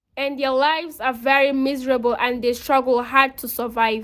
And their lives are very miserable and they struggle hard to survive.